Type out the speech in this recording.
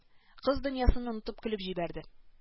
- кыз дөньясын онытып көлеп җибәрде